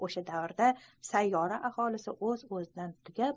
o'sha davrda sayyora aholisi o'z o'zidan tugab